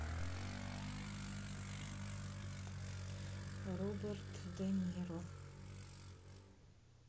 роберт де ниро